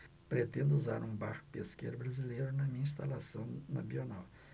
pretendo usar um barco pesqueiro brasileiro na minha instalação na bienal